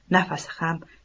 nafasi ham